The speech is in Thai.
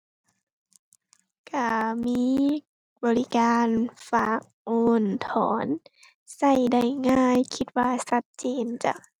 ก็มีบริการฝาก โอน ถอน ก็ได้ง่ายคิดว่าก็เจนจ้ะ